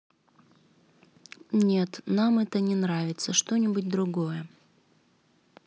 нет нам это не нравится что нибудь другое